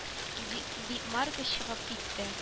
- ди дип марго чыгып китте